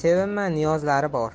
sevinma niyozlari bor